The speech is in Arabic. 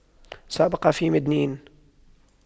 سأبقى في مدنين